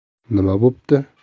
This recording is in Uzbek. nima bo'pti